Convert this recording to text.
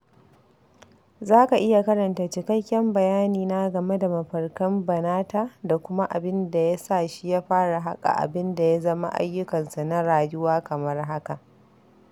Za ka iya karanta cikakken bayanina game da mafarkan Banatah da kuma abin da ya sa shi ya fara haƙa abin da ya zama ayyukansa na rayuwa kamar haka: